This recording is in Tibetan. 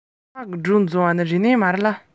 དམར པོ དག རིག གནས ཡིན ནམ